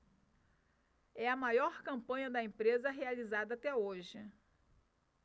é a maior campanha da empresa realizada até hoje